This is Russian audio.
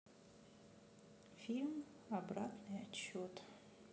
фильм обратный отсчет